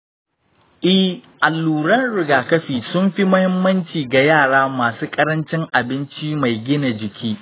eh, alluran rigakafi sun fi muhimmanci ga yara masu ƙarancin abinci mai gina jiki.